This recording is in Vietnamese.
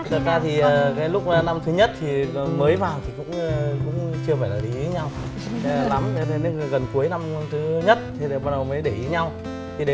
thật ra thì cái lúc năm thứ nhất thì mới vào thì cũng cũng chưa phải để ý nhau lắm nên là gần cuối năm thứ nhất nên là bắt đầu mới để ý nhau thì đến